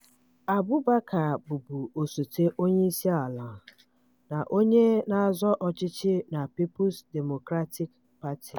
Abubakar bụbu osote onye isi ala na onye na-azọ ọchịchị na People's Democratic Party.